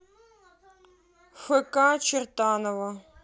фк чертаново